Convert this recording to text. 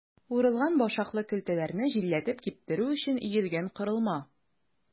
Урылган башаклы көлтәләрне җилләтеп киптерү өчен өелгән корылма.